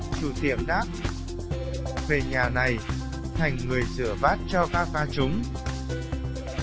chủ tiệm về nhà này thành người rửa bát cho papa chúng